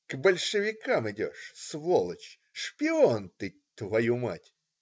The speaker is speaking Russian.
- К большевикам идешь, сволочь! шпион ты. твою мать!